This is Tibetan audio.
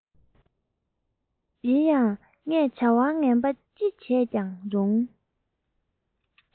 ཡིན ཡང ངས བྱ བ ངན པ ཅི བྱས ཀྱང རུང